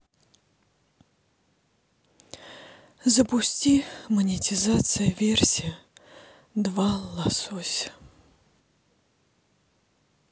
запусти монетизация версия два лосось